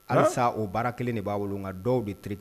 Alasa o baara kelen de b'a bolo nka dɔw bɛ ti